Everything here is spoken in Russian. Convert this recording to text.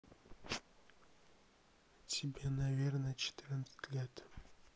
тебе наверное четырнадцать лет